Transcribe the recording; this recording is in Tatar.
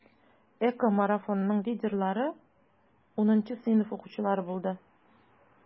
ЭКОмарафонның лидерлары 10 сыйныф укучылары булды.